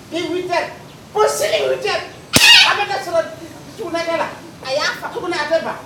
Bi ko seli an bɛ la a y'a fa tuguni a bɛ ban